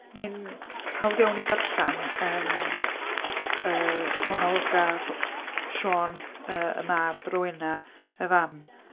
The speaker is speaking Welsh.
Mae'n hawdd iawn i darllen, yn, yy, monologa rh-, Siôn, yy, y mab, Rowena, y fam...